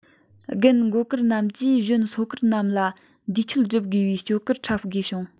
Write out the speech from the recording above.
རྒན མགོ དཀར རྣམས ཀྱིས གཞོན སོ དཀར རྣམས ལ འདས མཆོད སྒྲུབ དགོས པའི སྐྱོ གར འཁྲབ དགོས བྱུང